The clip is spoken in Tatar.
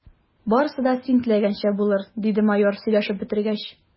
Барысы да син теләгәнчә булыр, – диде майор, сөйләшеп бетергәч.